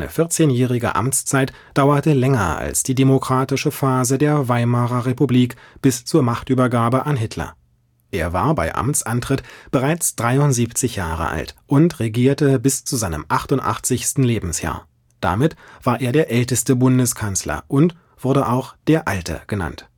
14-jährige Amtszeit dauerte länger als die demokratische Phase der Weimarer Republik bis zur Machtübergabe an Hitler. Er war bei Amtsantritt bereits 73 Jahre alt und regierte bis zu seinem 88. Lebensjahr. Damit war er der älteste Bundeskanzler und wurde auch „ der Alte “genannt